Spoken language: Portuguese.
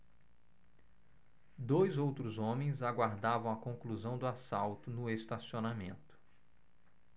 dois outros homens aguardavam a conclusão do assalto no estacionamento